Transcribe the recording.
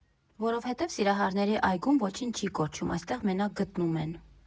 Որովհետև Սիրահարների այգում ոչինչ չի կորչում, այստեղ մենակ գտնում են։